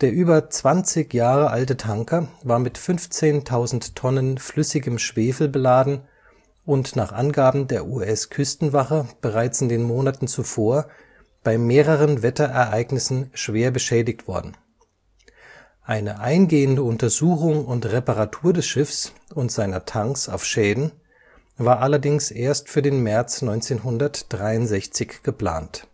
über 20 Jahre alte Tanker war mit 15.000 Tonnen flüssigem Schwefel beladen und nach Angaben der US-Küstenwache bereits in den Monaten zuvor bei mehreren Wetterereignissen schwer beschädigt worden. Eine eingehende Untersuchung und Reparatur des Schiffs und seiner Tanks auf Schäden war allerdings erst für den März 1963 geplant